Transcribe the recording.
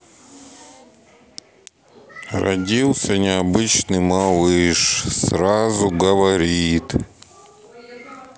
родился необычный малыш сразу говорит